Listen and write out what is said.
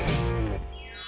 dạ